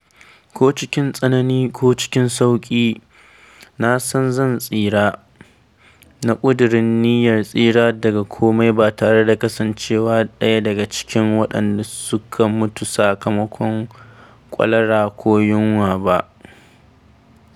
Ko cikin tsanani ko lokacin sauƙi, na san zan tsira, na ƙuduri niyyar tsira daga komai ba tare da kasancewa ɗaya daga cikin waɗanda suka mutu sakamakon kwalara ko yunwa ba.